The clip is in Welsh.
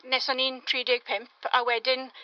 ...nes o'n i'n tri deg pump a wedyn...